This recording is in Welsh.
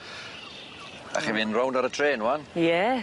'Dach chi'n mynd rownd ar y trên ŵan. Ie.